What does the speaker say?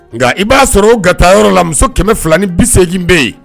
Nka i b'a sɔrɔ ka taa yɔrɔ la muso kɛmɛ fila ni bi segin bɛ yen